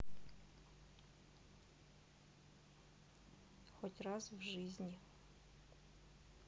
хоть раз в жизни